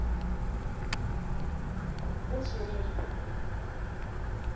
дочерей